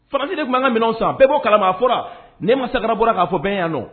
Faraj tun ka minɛn san bɛɛ bɔ kalama fɔra n ma sara bɔra k'a fɔ bɛn yan nɔ